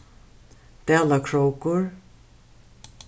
dalakrókur